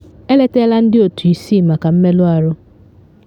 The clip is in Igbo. Eletela ndị otu isii maka mmerụ ahụ.